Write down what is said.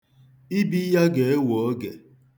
Ibi ya ga-ewe oge.